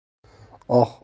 oh oh havoni